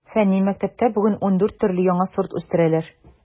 Фәнни мәктәптә бүген ундүрт төрле яңа сортлар үстерәләр.